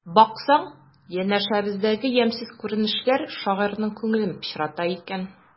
Баксаң, янәшәбездәге ямьсез күренешләр шагыйрьнең күңелен пычрата икән.